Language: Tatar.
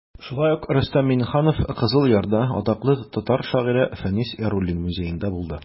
Шулай ук Рөстәм Миңнеханов Кызыл Ярда атаклы татар шагыйре Фәнис Яруллин музеенда булды.